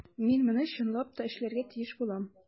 Мин моны чынлап та эшләргә тиеш булам.